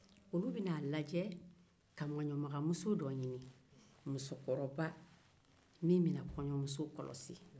u be n'a lajɛ ka manɲamagamuso dɔ ɲini min bɛ kɔɲɔmuso kɔlɔsi